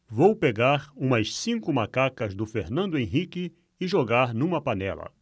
vou pegar umas cinco macacas do fernando henrique e jogar numa panela